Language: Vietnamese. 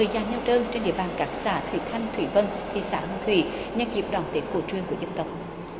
người già neo đơn trên địa bàn các xã thủy thanh thủy vân thị xã hương thủy nhân dịp đón tết cổ truyền của dân tộc